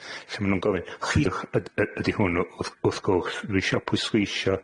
lle ma' nw'n gofyn, Chi yd- yd- ydi hwn? Wth wth gwrs, dwi isio pwysleisio